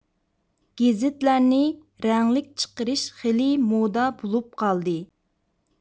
گېزىتلەرنى رەڭلىك چىقىرىش خېلى مودا بولۇپ قالدى